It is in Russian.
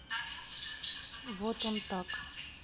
вот он так